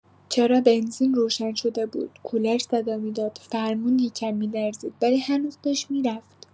چراغ بنزین روشن شده بود، کولر صدا می‌داد، فرمون یه کم می‌لرزید، ولی هنوز داشت می‌رفت.